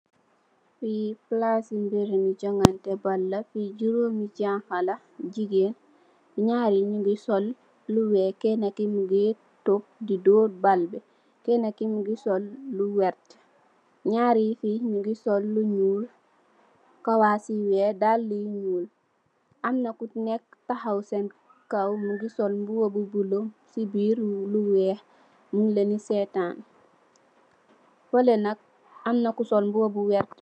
Fii palaasi berub jongante bal la, fi juroomi janxa la, jigeen, nyaar yi nyingi sol lu weex, kene ki mingi toog di door bal bi, kene ki mingi sol lu werte, nyaari fi nyingi sol lu nyuul, kawas yu weex, dalle yu nyuul, amna ku nekk, tahaw si kaw mingi sol mbubu bu bula si biir lu weex, nyun lenni, fale nak amna ku sol mbuba bu verte.